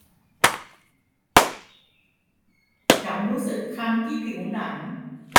ฉันรู้สึกคันที่ผิวหนัง